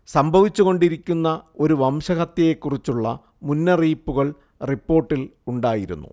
സംഭവിച്ചുകൊണ്ടിരിക്കുന്ന ഒരു വംശഹത്യയെക്കുറിച്ചുള്ള മുന്നറിയിപ്പുകൾ റിപ്പോർട്ടിൽ ഉണ്ടായിരുന്നു